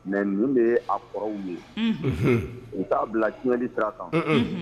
Mɛ minnu bɛ a kɔrɔw ye u k'a bila diɲɛli sira a kan